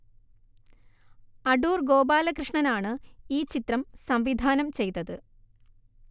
അടൂർ ഗോപാലകൃഷ്ണനാണ് ഈ ചിത്രം സംവിധാനം ചെയ്തത്